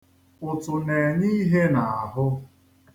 Ụtụ na-enye ihe n'ahụ.